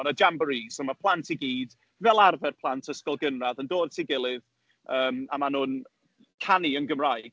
Ma' 'na jamboris, so ma'r plant i gyd, fel arfer plant ysgol gynradd, yn dod at ei gilydd, yym, a maen nhw'n canu yn Gymraeg.